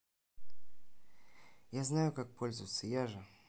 я знаю как пользоваться я же